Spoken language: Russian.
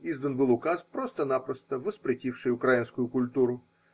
издан был указ, просто-напросто воспретивший украинскую культуру.